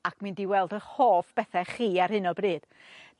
Ac mynd i weld y hoff bethe chi ar hyn o bryd.